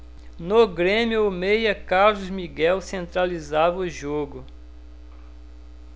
no grêmio o meia carlos miguel centralizava o jogo